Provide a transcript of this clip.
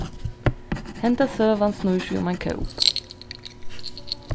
hendan søgan snýr seg um ein kóp